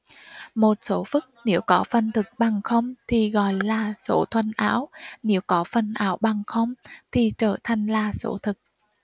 một số phức nếu có phần thực bằng không thì gọi là số thuần ảo nếu có phần ảo bằng không thì trở thành là số thực